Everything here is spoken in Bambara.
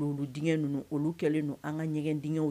Olu dgɛ ninnu olu kɛlen don an ka ɲɛgɛn d